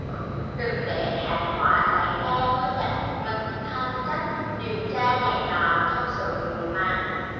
đừng để thảm họa xảy ra mới giật mình than trách điều tra này nọ trong sự muộn màng